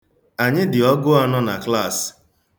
Anyị dị ọgụanọ na klas.